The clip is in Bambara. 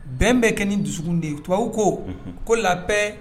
Bɛn bɛ kɛ nin dusukun de ye tubabu ko, unhun, ko la paix